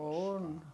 koskaan